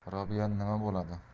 robiya nima bo'ladi